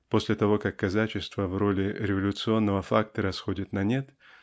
После того как казачество в роли революционного фактора сходит на нет